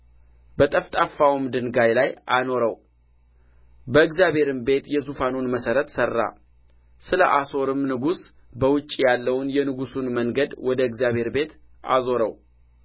በጠፍጣፋውም ድንጋይ ላይ አኖረው በእግዚአብሔርም ቤት የዙፋኑን መሠረት ሠራ ስለ አሦርም ንጉሥ በውጭ ያለውን የንጉሡን መንገድ ወደ እግዚአብሔር ቤት አዞረው